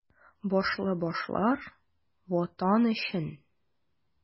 Башлы башлар — ватар өчен!